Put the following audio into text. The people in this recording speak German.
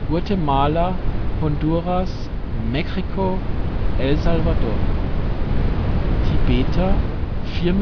Guatemala, Honduras, Mexiko, El Salvador Tibeter: 4.000.000